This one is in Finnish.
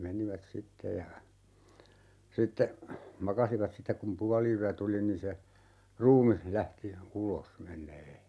menivät sitten ja sitten makasivat sitten kun puoliyö tuli niin se ruumis lähti ulos menemään